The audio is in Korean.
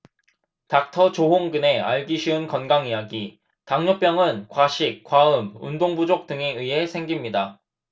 닥터 조홍근의 알기 쉬운 건강이야기 당뇨병은 과식 과음 운동부족 등에 의해 생깁니다